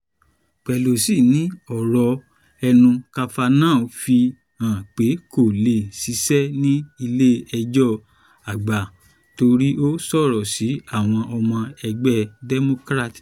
Pelosi ni ọ̀rọ̀ ẹnu Kavanaugh fi hàn pé kò lè ṣiṣẹ́ ní Ilé-ejọ́ Àgbà torí ó sọ̀rọ̀ sí àwọn ọmọ egbẹ́ Democrat.